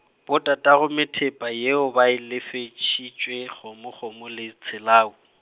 botatagomethepa yeo ba lefišitšwe kgomo kgomo le tshelau.